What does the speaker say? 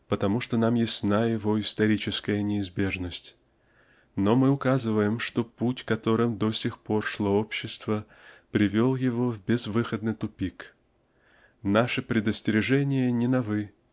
потому что нам ясна его историческая неизбежность но мы указываем что путь которым до сих пор шло общество привел его в безвыходный тупик. Наши предостережения не новы